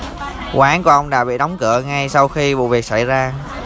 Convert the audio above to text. quán của ông đã bị đóng cửa ngay sau khi vụ việc xảy ra